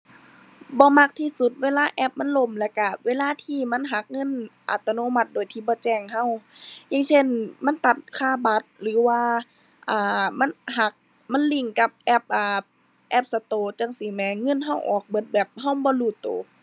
บ่มักที่สุดเวลาแอปมันล่มแล้วก็เวลาที่มันหักเงินอัตโนมัติโดยที่บ่แจ้งก็ อย่างเช่น มันตัดค่าบัตร หรือว่า อ่า มันหักมันลิงก์กับแอป อ่า App Store จั่งซี้แหมเงินก็ออกเบิดแบบก็บ่รู้ก็